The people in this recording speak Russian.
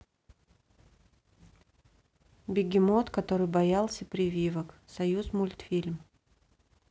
бегемот который боялся прививок союзмультфильм